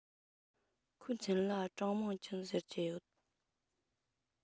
ཁོའི མཚན ལ ཀྲང མིང ཅུན ཟེར གྱི ཡོད